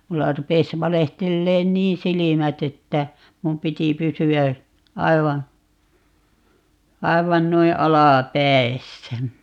minulla rupesi valehtelemaan niin silmät että minun piti pysyä aivan aivan noin alapäissä